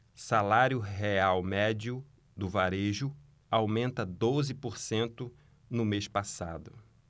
salário real médio do varejo aumenta doze por cento no mês passado